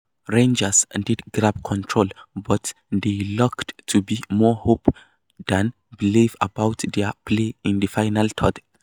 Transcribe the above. Rangers did grab control but there looked to be more hope than belief about their play in the final third.